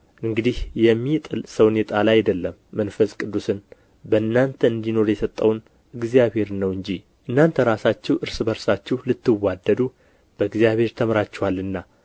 እንግዲህ የሚጥል ሰውን የጣለ አይደለም መንፈስ ቅዱስን በእናንተ እንዲኖር የሰጠውን እግዚአብሔርን ነው እንጂ እናንተ ራሳችሁ እርስ በርሳችሁ ልትዋደዱ በእግዚአብሔር ተምራችኋልና